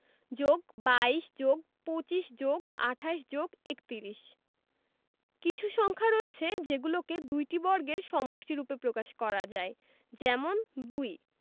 +২২+২৫+২৮+৩১ কিছু সংখ্যা রয়েছে যেগুলোকে দুইটি বর্গের সমষ্টিরুপে প্রকাশ করা যায় যেমনঃ ২